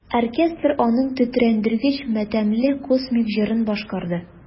Оркестр аның тетрәндергеч матәмле космик җырын башкарды.